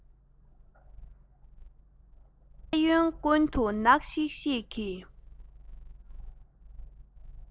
གཡས གཡོན ཀུན ཏུ ནག ཤིག ཤིག གི